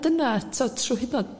dyna t'o trw hydnod